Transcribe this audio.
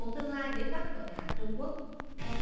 một tương lai bế tắc bởi hàng trung quốc